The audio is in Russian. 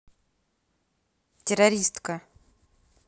террористка